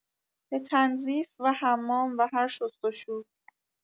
به تنظیف و حمام و هر شستشو.